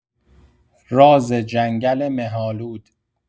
راز جنگل مه‌آلود